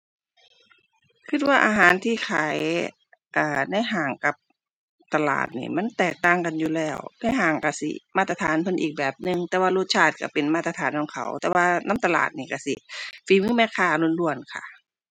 คิดว่าอาหารที่ขาย เอ่อ ในห้างกับตลาดนี่มันแตกต่างกันอยู่แล้ว ให้ห้างคิดสิมาตรฐานเพิ่นอีกแบบหนึ่ง แต่ว่ารสชาติคิดเป็นมาตรฐานของเขา แต่ว่านำตลาดนี่คิดสิฝีมือแม่ค้าล้วนล้วนค่ะ